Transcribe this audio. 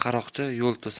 qaroqchi yo'l to'sar